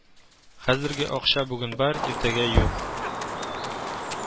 Хәзерге акча бүген бар, иртәгә юк